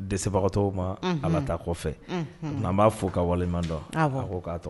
De dɛsɛsebagatɔ ma ala ta kɔfɛ n'an b'a fo ka waleman dɔn ko k'a to